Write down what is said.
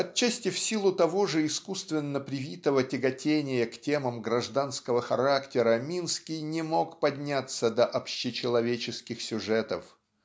Отчасти в силу того же искусственно привитого тяготения к темам гражданского характера Минский не мог подняться до общечеловеческих сюжетов.